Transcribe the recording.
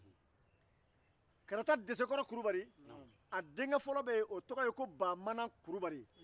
karata desekɔrɔ kulubali denkɛ fɔlɔ tɔgɔ ye ko baamana kulubali